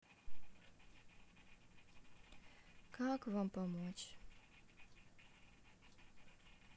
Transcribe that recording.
как вам помочь